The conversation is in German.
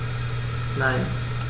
Nein.